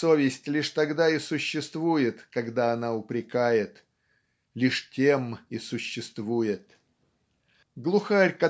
Совесть лишь тогда и существует, когда она упрекает, лишь тем и существует. Глухарь